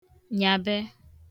nyabe